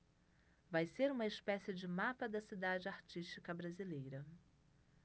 vai ser uma espécie de mapa da cidade artística brasileira